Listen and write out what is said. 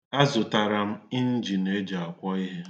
Azụtara m injin e ji akwọ ihẹ